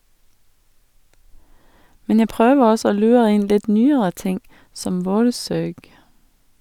Men jeg prøver også å lure inn litt nyere ting, som "Vårsøg".